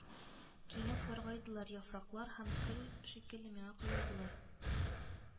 Кинәт саргайдылар яфраклар һәм Көл шикелле миңа коелдылар